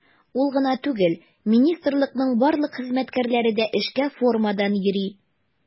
Ул гына түгел, министрлыкның барлык хезмәткәрләре дә эшкә формадан йөри.